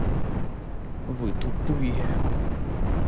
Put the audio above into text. вы тупые